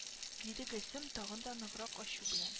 Диде гөлсем тагын да ныграк ачу белән